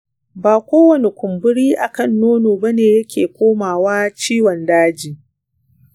ba kowani kumburi akan nono bane yake komawa ciwon daji.